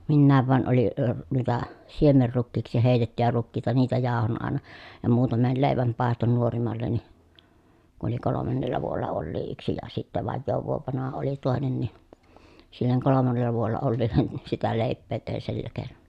minäkin vain olin - noita siemenrukiiksi heitettyjä rukiita niitä jauhoin aina ja muutaman leivän paistoin nuorimmalle kun oli kolmannella vuodella olikin yksi ja sitten vajaan vuoden vanha oli toinen niin sille kolmannella vuodella olevalle niin sitä leipää tein sillä keinoin